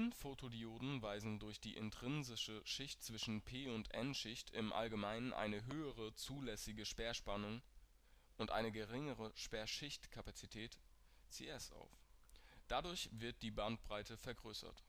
PIN-Photodioden weisen durch die intrinsische Schicht zwischen p - und n - Schicht im allgemeinen eine höhere zulässige Sperrspannung und eine geringere Sperrschichtkapazität CS auf. Dadurch wird die Bandbreite vergrößert